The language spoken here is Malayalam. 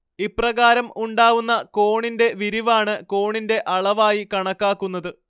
ഇപ്രകാരം ഉണ്ടാവുന്ന കോണിന്റെ വിരിവാണ് കോണിന്റെ അളവായി കണക്കാക്കുന്നത്